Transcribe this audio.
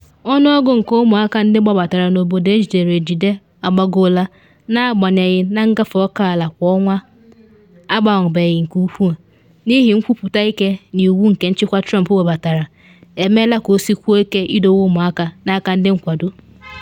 Ọnụọgụ nke ụmụaka ndị gbabatara n’obodo ejidere ejide agbagoola na agbanyeghị na ngafe oke ala kwa ọnwa agbanwebeghị nke ukwuu, n’ihi nkwupụta ike na iwu nke nchịkwa Trump webatara emeela ka o sikwuo ike idowe ụmụaka n’aka ndị nkwado.